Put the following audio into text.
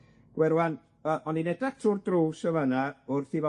Wel rŵan, yy o'n i'n edrach trw'r drws draw fan 'na wrth i